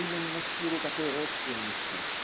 Именно в силу такой родственности